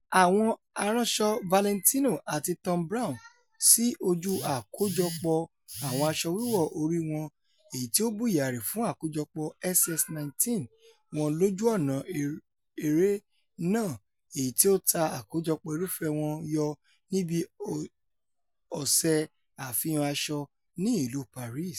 Àwọn aránsọ Valentino àti Thom Browne sị́́ óju àkójọpọ àwọn asọ wíwọ̀ orí wọn èyití o bùyààri fún àkójọpọ̀ SS19 wọn lójú ọ̀nà-eré náà èyití o ta àkojọpọ̀ irúfẹ́ wọn yọ níbi Ọ̀sẹ̀ Àfihàn Asọ ní Ìlú Paris.